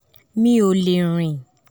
Mi o le rin.